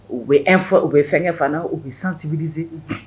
U bɛ informé u bɛ fɛnkɛ fana u bɛ sensibiliser